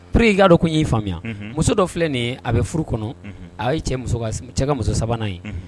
Pour que i k'a dɔn ko n y'i faamuya, muso dɔ filɛ nin a bɛ furu kɔnɔ, unhun, a ye cɛ ka muso sabanan ye